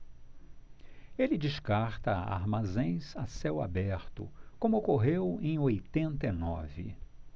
ele descarta armazéns a céu aberto como ocorreu em oitenta e nove